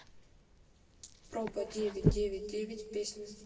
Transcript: проба девять девять девять песня